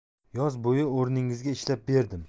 yoz bo'yi o'rningizga ishlab berdim